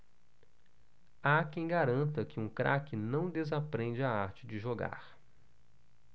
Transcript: há quem garanta que um craque não desaprende a arte de jogar